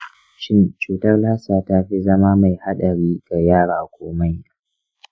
shin cutar lassa ta fi zama mai haɗari ga yara ko manya?